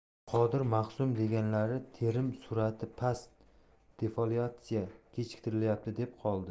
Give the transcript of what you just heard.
qodir maxsum deganlari terim surati past defoliatsiya kechiktirilyapti deb qoldi